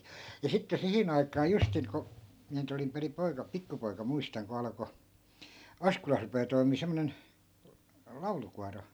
ja sitten siihen aikaan justiin kun minä nyt olin perin - pikkupoika muistan kun alkoi Askolassa rupeaa toimimaan semmoinen laulukuoro